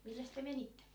milläs te menitte